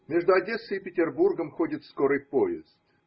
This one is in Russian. Между Одессой и Петербургом ходит скорый поезд.